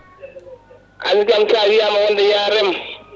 andi an hande sa wiiyama ya reem